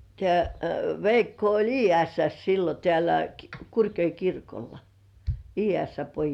tämä Veikko oli Iiässässä silloin täällä Kurkijoella kirkolla Iiässän pojissa